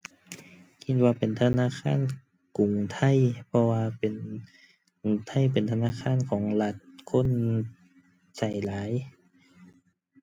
คิดว่าเป็นธนาคารกรุงไทย เพราะว่าเป็น กรุงไทยเป็นธนาคารของรัฐ คนใช้หลาย